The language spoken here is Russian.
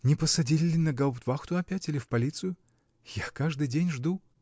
— Не посадили ли на гауптвахту опять или в полицию? Я каждый день жду.